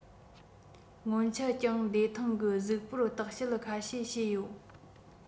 སྔོན ཆད གྱང བདེ ཐང གི གཟུགས པོར བརྟག དཔྱད ཁ ཤས བྱོས ཡོད